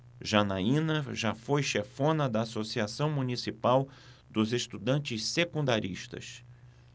janaina foi chefona da ames associação municipal dos estudantes secundaristas